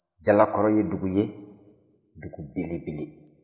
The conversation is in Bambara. jalakɔro ye dugu ye dugu belebele